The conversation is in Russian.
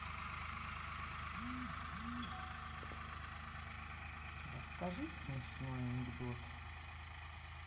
расскажи смешной анекдот